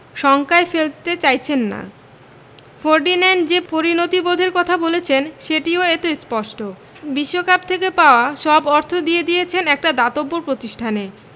শঙ্কায় ফেলতে চাইছেন না ফার্ডিনান্ড যে পরিণতিবোধের কথা বলেছেন সেটিও এতে স্পষ্ট বিশ্বকাপ থেকে পাওয়া সব অর্থ দিয়ে দিয়েছেন একটা দাতব্য প্রতিষ্ঠানে